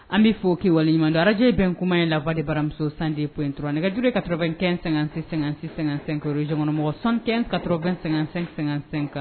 An bɛ fɔ kɛ waleɲumandi arajjɛe bɛn kuma ye lawale de baramuso san de pe dɔrɔn nɛgɛje kat2ɛn--sɛ-sɛsɛk zɔnmɔgɔ 1 ka2---sɛ kan